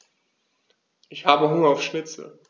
Ich habe Hunger auf Schnitzel.